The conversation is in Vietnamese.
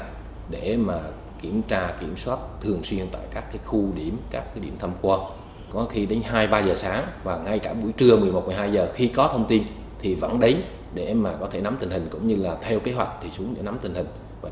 để mà kiểm tra kiểm soát thường xuyên tại các cái khu điểm các cái điểm tham quan có khi đến hai ba giờ sáng và ngay cả buổi trưa mười một mười hai giờ khi có thông tin thì vẫn đến để mà có thể nắm tình hình cũng như là theo kế hoạch thì xuống để nắm tình hình